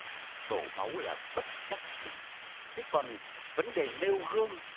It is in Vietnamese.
đổ máu là bất đắc dĩ thế còn vấn đề nêu gương